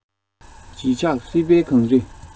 བརྗིད ཆགས སྲིད པའི གངས རི